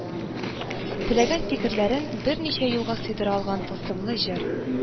Теләгән фикерләрен берничә юлга сыйдыра алган тылсымлы җыр